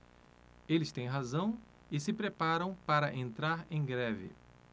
eles têm razão e se preparam para entrar em greve